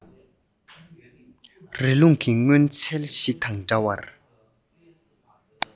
དབེན ཅིང ཁུ སུམ མེར གནས